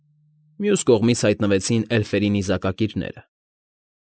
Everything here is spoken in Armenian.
Մյուս կողմից հայտնվեցին էլֆերի նիզակակիրները։